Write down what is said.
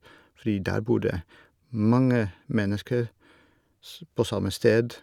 Fordi der bor det mange mennesker s på samme sted.